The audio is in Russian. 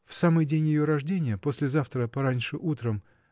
В самый день ее рождения, послезавтра, пораньше утром.